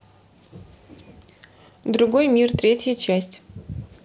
другой мир третья часть